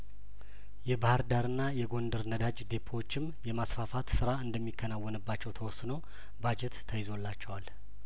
የባህር ዳርና የጐንደር ነዳጅ ዴፖዎችም የማስፋፋት ስራ እንደሚከናወንባቸው ተወስኖ ባጀት ተይዞላቸዋል